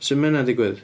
Sut mae hynna'n digwydd?